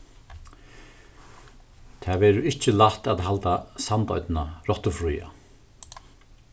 tað verður ikki lætt at halda sandoynna rottufría